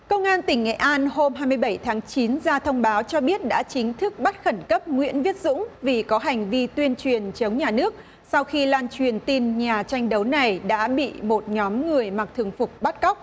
công an tỉnh nghệ an hôm hai mươi bảy tháng chín ra thông báo cho biết đã chính thức bắt khẩn cấp nguyễn viết dũng vì có hành vi tuyên truyền chống nhà nước sau khi lan truyền tin nhà tranh đấu này đã bị một nhóm người mặc thường phục bắt cóc